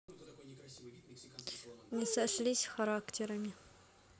не сошлись характерами